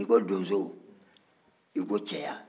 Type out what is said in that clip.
n'i ko donso i ko cɛya